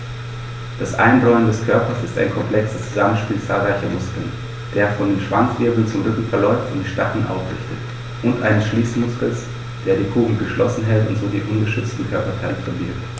Das Einrollen des Körpers ist ein komplexes Zusammenspiel zahlreicher Muskeln, der von den Schwanzwirbeln zum Rücken verläuft und die Stacheln aufrichtet, und eines Schließmuskels, der die Kugel geschlossen hält und so die ungeschützten Körperteile verbirgt.